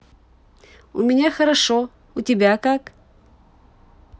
у меня хорошо у тебя как